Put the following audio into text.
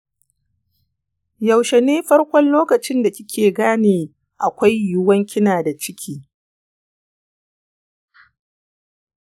yaushe ne farkon lokacin da kika gane akwai yiwuwan kina da ciki?